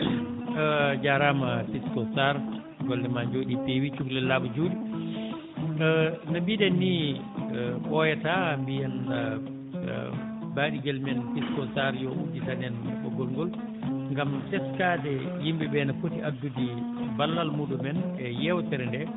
a jaaraama Pisco Sarr golle maa njooɗii peewi cukalel laaɓa juuɗe no mbiɗen nii ɓooyataa mbiyen baɗigel men Pisco Sarr yo udditan en ɓoggol ngol ngam teskaade yimɓe ɓee no poti addude ballal muɗumen e yeewtere ndee